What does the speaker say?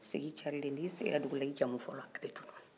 sigi carilen ni i sigira dugu la i jamu fɔlɔ a bɛ tunnun